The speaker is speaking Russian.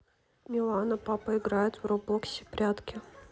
милана папа играет в роблоксе прятки